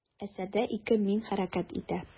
Әсәрдә ике «мин» хәрәкәт итә.